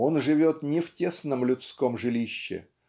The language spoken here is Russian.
Он живет не в тесном людском жилище